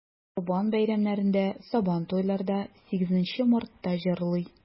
Корбан бәйрәмнәрендә, Сабантуйларда, 8 Мартта җырлый.